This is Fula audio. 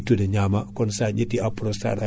ha e ko wiyate juman en